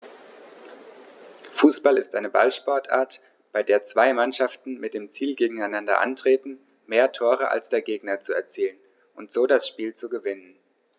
Fußball ist eine Ballsportart, bei der zwei Mannschaften mit dem Ziel gegeneinander antreten, mehr Tore als der Gegner zu erzielen und so das Spiel zu gewinnen.